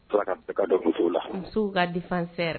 Ka musow la musow ka di sera